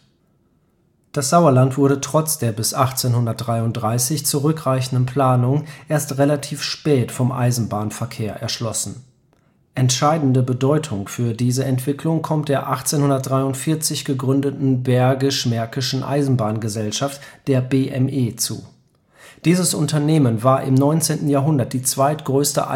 Das Sauerland wurde trotz der bis 1833 zurückreichenden Planungen erst relativ spät vom Eisenbahnverkehr erschlossen. Entscheidende Bedeutung für diese Entwicklung kommt der 1843 gegründeten Bergisch-Märkischen Eisenbahn-Gesellschaft (BME) zu. Dieses Unternehmen war im 19. Jahrhundert die zweitgrößte